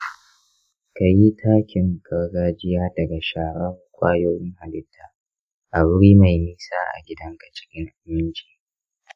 ka yi takin gargajiya daga sharar kwayoyin halitta a wuri mai nisa da gidanka cikin aminci.